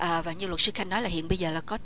và và như luật sư khanh nói là hiện bây giờ có